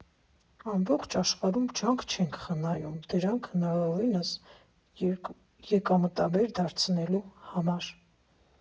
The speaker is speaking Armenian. Ամբողջ աշխարհում ջանք չեն խնայում դրանք հնարավորինս եկամտաբեր դարձնելու համար։